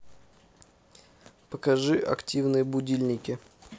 покажи активные будильники